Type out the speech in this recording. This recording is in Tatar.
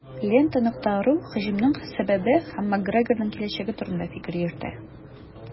"лента.ру" һөҗүмнең сәбәбе һәм макгрегорның киләчәге турында фикер йөртә.